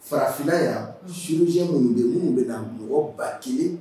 Farafinan yan chrurgien minnu bɛ yen, minnu bɛ na mɔgɔ1000